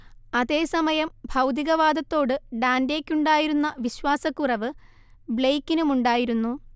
അതേസമയം ഭൗതികവാദത്തോട് ഡാന്റേക്കുണ്ടായിരുന്ന വിശ്വാസക്കുറവ് ബ്ലെയ്ക്കിനുമുണ്ടായിരുന്നു